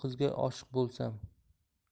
qizga oshiq bo'lsam